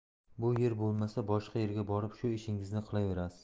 bu yer bo'lmasa boshqa yerga borib shu ishingizni qilaverasiz